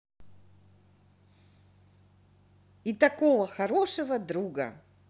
и такого хорошего друга